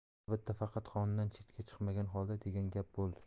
albatta faqat qonundan chetga chiqmagan holda degan gap bo'ldi